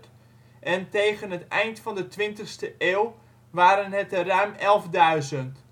en tegen het eind van de twintigste eeuw waren het er ruim 11.000. Tot